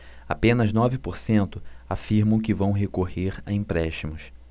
apenas nove por cento afirmam que vão recorrer a empréstimos